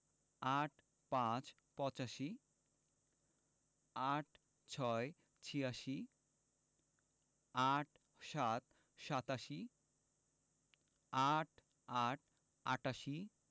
৮৫ – পঁচাশি ৮৬ – ছিয়াশি ৮৭ – সাতাশি ৮৮ – আটাশি